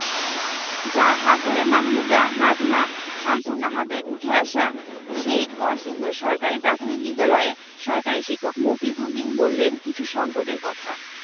যাঁর হাত ধরে মাহমুদা নাজমা শামসুন্নাহারদের উঠে আসা সেই কলসিন্দুর সরকারি প্রাথমিক বিদ্যালয়ের সহকারী শিক্ষক মফিজ উদ্দিন বললেন কিছু সংকটের কথা